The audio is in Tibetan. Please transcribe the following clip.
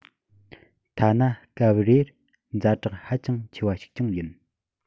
ཐ ན སྐབས རེར ཛ དྲག ཧ ཅང ཆེ བ ཞིག ཀྱང ཡིན